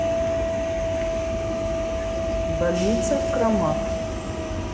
больница в кромах